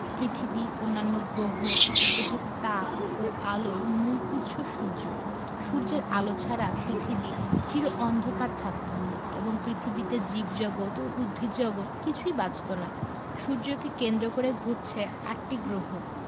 পৃথিবী অন্যান্য গ্রহ উপগ্রহের তাপ ও আলোর মূল উৎস সূর্য সূর্যের আলো ছাড়া পৃথিবী চির অন্ধকার থাকত এবং পৃথিবীতে জীবজগত ও উদ্ভিদজগৎ কিছুই বাঁচত না সূর্যকে কেন্দ্র করে ঘুরছে আটটি গ্রহ